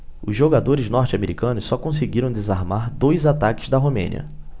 os jogadores norte-americanos só conseguiram desarmar dois ataques da romênia